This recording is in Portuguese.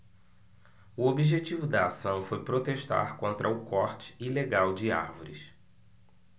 o objetivo da ação foi protestar contra o corte ilegal de árvores